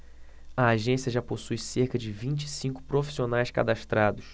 a agência já possui cerca de vinte e cinco profissionais cadastrados